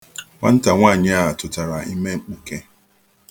Nwata nwaanyị a tụtara ime mkpuke.